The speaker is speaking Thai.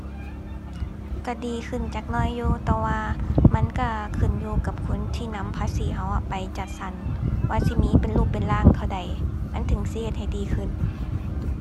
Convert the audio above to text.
ก็ดีขึ้นจักหน่อยอยู่ แต่ว่ามันก็ขึ้นอยู่กับคนที่นำภาษีก็อะ ไปจัดสรร ว่าสิมีเป็นรูปเป็นร่างเท่าใด มันถึงสิเฮ็ดให้ดีขึ้น